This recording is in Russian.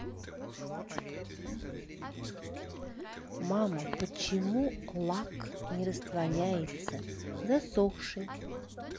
мама почему лак не растворяется засохший